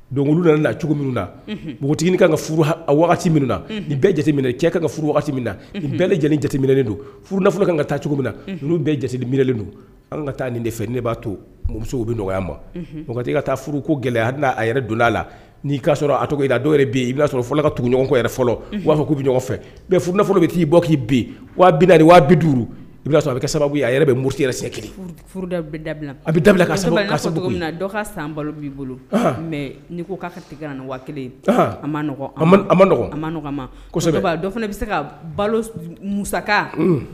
Don yɛrɛ npogoinin ka kan ka jate cɛ kan ka min na bɛɛ lajɛlen jatelen don ka kan ka taa cogo min na n'u bɛɛ jate milen don an ka taa nin de fɛ ne b'a to bɛ nɔgɔya ma ka taa furu ko gɛlɛ hali n' a yɛrɛ dondaa la''a sɔrɔ a i dɔw yɛrɛ i sɔrɔ ka tuguɲɔgɔn fɔlɔ b'a fɔ k'u bɛ ɲɔgɔn fɛ f fɔlɔ bɛ k'i bɔ k'iina duuru i sɔrɔ a bɛ kɛ sababu a yɛrɛ bɛ muso yɛrɛ kelen san b'i bolo ko kelen bɛ se musa